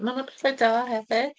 Mae 'na pethe da hefyd.